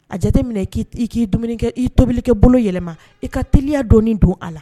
A jate minɛ k i k'i dumuni i tobilikɛ bolo yɛlɛma i ka teliya don don a la